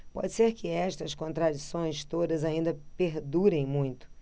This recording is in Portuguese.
pode ser que estas contradições todas ainda perdurem muito